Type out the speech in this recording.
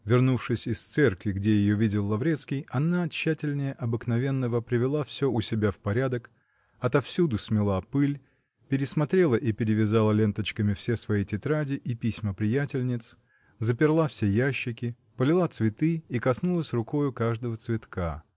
Вернувшись из церкви, где ее видел Лаврецкий, -она тщательнее обыкновенного привела все у себя в порядок, отовсюду смела пыль, пересмотрела и перевязала ленточками все свои тетради и письма приятельниц, заперла все ящики, полила цветы и коснулась рукою каждого цветка.